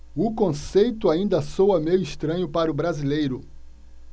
o conceito ainda soa meio estranho para o brasileiro